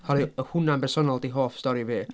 Oherwydd oedd hwnna yn bersonol 'di hoff stori fi.